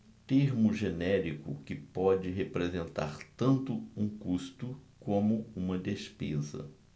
termo genérico que pode representar tanto um custo como uma despesa